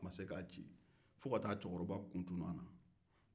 fo ka taa cɛkɔrɔba kun tunu a la a ma se k'a ci